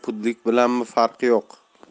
pudlik bilanmi farqi yo'q